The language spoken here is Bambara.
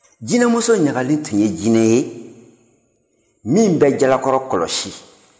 jinɛmuso ɲagalen tun ye jinɛ ye min bɛ jalakɔrɔ kɔlɔsi